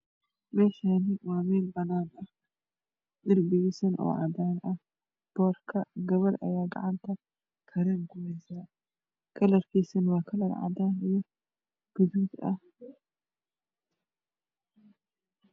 Me Shani wa meel banan ah darbi gisuna u cadan ah boor ka gabar aya gacan ta kareen ku hey sa kalar kisu na wa kalar cadana iyo gudud ah